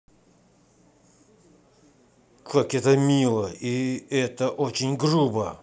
как это мило и это очень грубо